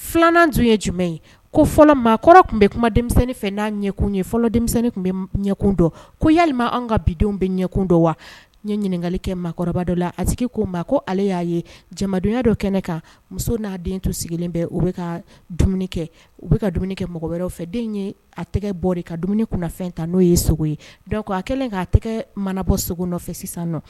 Filanan tun ye jumɛn ye ko fɔlɔ maakɔrɔ tun bɛ kuma denmisɛnnin fɛ n'a ɲɛkun ye fɔlɔ denmisɛnnin tun bɛ ɲɛkun dɔn ko ya anw ka bidenw bɛ ɲɛkun dɔn wa ɲɛ ɲininkakali kɛ maakɔrɔbaba dɔ la a tigi koo maa ko ale y'a ye jaruyaya dɔ kɛnɛ kan muso n'a den tun sigilen bɛ u bɛ ka dumuni kɛ u bɛ ka dumuni kɛ mɔgɔ wɛrɛw fɛ den ye a tɛgɛ bɔ ka dumuni kunfɛn ta n'o ye sogo ye dɔn ko a kɛlen kaa tɛgɛ mana bɔ sogo nɔfɛ sisan